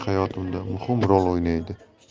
hayotimda muhim rol o'ynaydi